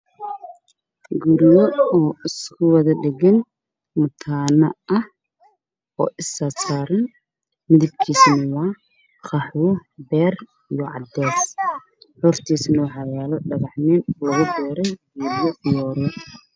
Guryo oo isku wada dhagan Matano ah oo isasaran midabkisuna wa beer qaxwi wa cadays hortisuna waxa talo dhaga xun lagu beray fiyoro